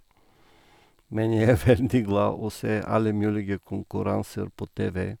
Men jeg er veldig glad å se alle mulige konkurranser på TV.